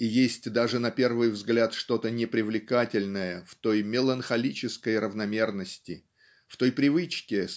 И есть даже на первый взгляд что-то непривлекательное в той меланхолической равномерности в той привычке